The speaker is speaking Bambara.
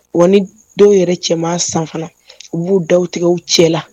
Wa ni dɔw yɛrɛ cɛman san u b'u datigɛ cɛ la